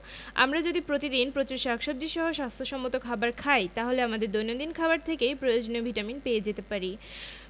আমরা যদি প্রতিদিন প্রচুর শাকসবজী সহ স্বাস্থ্য সম্মত খাবার খাই তাহলে আমাদের দৈনন্দিন খাবার থেকেই প্রয়োজনীয় ভিটামিন পেয়ে যেতে পারি